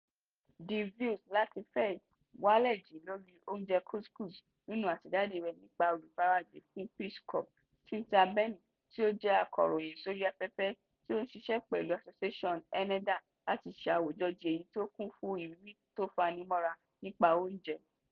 The View láti Fez walẹ̀ jìn lóri oúnjẹ couscous nínú àtẹ̀jáde rẹ̀ nípa olùfarajìn fún Peace Corps, Cynthia Berning (tó jẹ́ akọrọyìn sórí afẹ́fẹ́), tí ó ń ṣiṣẹ́ pẹ̀lu Association ENNAHDA láti sọ àwùjọ di èyí tó kún fún ìrírí tó fanimọ́ra nípa oúnje.